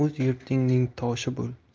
o'z yurtingning toshi bo'l